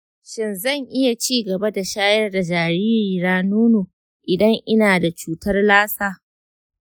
shin zan iya ci gaba da shayar da jaririna nono idan ina da cutar lassa?